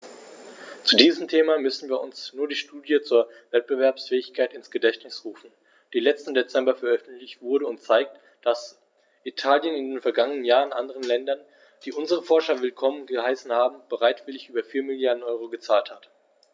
Zu diesem Thema müssen wir uns nur die Studie zur Wettbewerbsfähigkeit ins Gedächtnis rufen, die letzten Dezember veröffentlicht wurde und zeigt, dass Italien in den vergangenen Jahren anderen Ländern, die unsere Forscher willkommen geheißen haben, bereitwillig über 4 Mrd. EUR gezahlt hat.